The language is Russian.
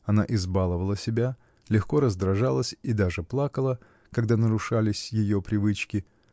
она избаловала себя, легко раздражалась и даже плакала, когда нарушались ее привычки